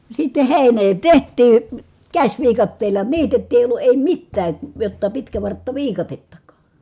sitten heinää tehtiin käsiviikatteella niitettiin ei ollut ei mitään jotta pitkävarttaviikatettakaan